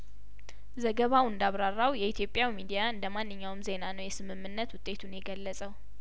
ዘገባው እንዳ ብራራው የኢትዮጵያው ሚዲያእንደ ማንኛውም ዜና ነው የስምምነት ውጤቱን የገለጸው